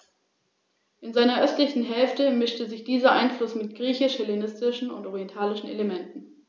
In seiner östlichen Hälfte mischte sich dieser Einfluss mit griechisch-hellenistischen und orientalischen Elementen.